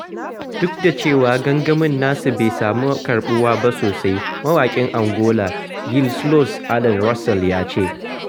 Duk da cewa gangamin nasu bai samu karɓuwa ba sosai, mawaƙin Angola, Gil Slows Allen Russel ya ce: